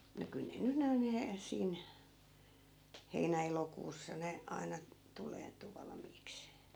no kyllä ne nyt nuo - siinä heinä elokuussa ne aina tuleentui valmiiksi